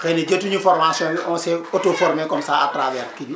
xëy na jotuñu formation bi on s' est autoformer comme ça à travers kii bi